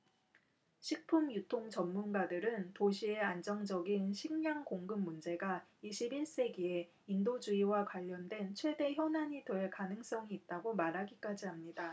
식품 유통 전문가들은 도시의 안정적인 식량 공급 문제가 이십 일 세기에 인도주의와 관련된 최대 현안이 될 가능성이 있다고 말하기까지 합니다